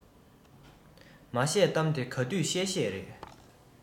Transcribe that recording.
མ བཤད གཏམ དེ ག དུས བཤད བཤད རེད